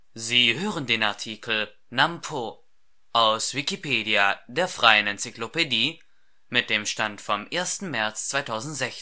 Sie hören den Artikel Namp’ o, aus Wikipedia, der freien Enzyklopädie. Mit dem Stand vom Der